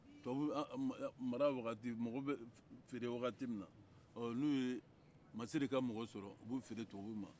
tubabu b'an mara wagati mɔgɔ bɛ feere wagati min na ɔ n'u ye masire ka mɔgɔ sɔrɔ o b'u feere tubabu ma